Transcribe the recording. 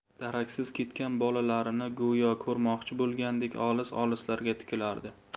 daraksiz ketgan bolalarini go'yo ko'rmoqchi bo'lgandek olis olislarga tikilardi